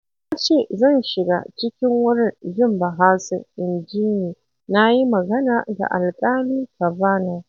"Na ce zan shiga cikin wurin jin bahasin, inji ni, na yi magana da Alƙali Kavanaugh.